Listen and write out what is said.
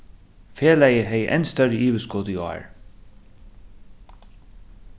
felagið hevði enn størri yvirskot í ár